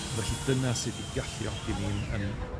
Felly dyna sy 'di galluogi ni'n yn